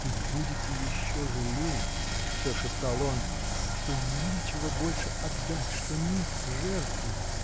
— И будете еще жалеть, — всё шептал он, — что нечего больше отдать, что нет жертвы!